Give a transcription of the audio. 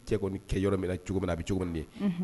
Cɛ kɔni cɛ yɔrɔ min na cogo min na a bɛ cogo ye